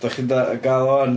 Dach chi'n da- gael o 'wan?